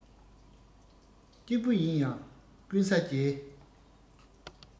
གཅིག པུ ཡིན ང ཀུན ས རྒྱལ